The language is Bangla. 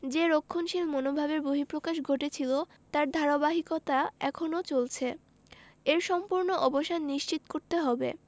যে রক্ষণশীল মনোভাবের বহিঃপ্রকাশ ঘটেছিল তার ধারাবাহিকতা এখনো চলছে এর সম্পূর্ণ অবসান নিশ্চিত করতে হবে